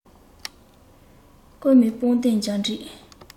ཀོང མོ པང གདན འཇའ འགྲིག